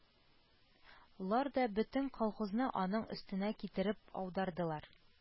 Лар да бөтен колхозны аның өстенә китереп аудардылар